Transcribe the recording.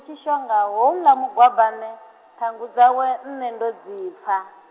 Tshishonga houḽa Mugwabana, ṱhangu dzawe nṋe ndo dzi pfa.